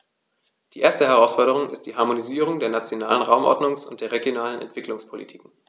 Die erste Herausforderung ist die Harmonisierung der nationalen Raumordnungs- und der regionalen Entwicklungspolitiken.